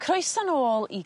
Croeso nôl i...